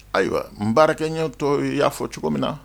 Ayiwa, n baarakɛ ɲɔgɔntow y'a fɔ cogo min na